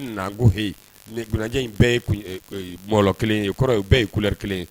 Na ko h ni jjɛ in bɛɛ ye mɔlɔ kelen kɔrɔ bɛɛ yelɛre kelen ye